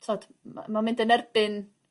t'od ma' ma'n mynd yn erbyn